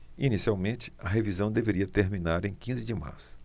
inicialmente a revisão deveria terminar em quinze de março